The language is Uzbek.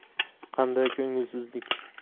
qanday ko'ngilsizlik